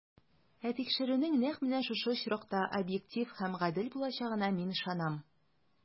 Ә тикшерүнең нәкъ менә шушы очракта объектив һәм гадел булачагына мин ышанам.